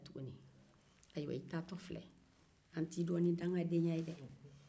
ayiwa i taatɔ filɛ an t'i dɔn ni dakandenya ye dɛ